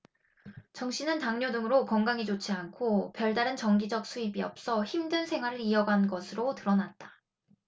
정씨는 당뇨 등으로 건강이 좋지 않고 별다른 정기적 수입이 없어 힘든 생활을 이어간 것으로 드러났다